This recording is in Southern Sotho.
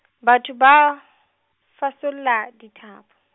batho ba, fasolla dithapo.